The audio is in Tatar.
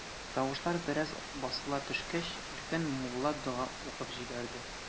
Тавышлар бераз басыла төшкәч, өлкән мулла дога укып җибәрде.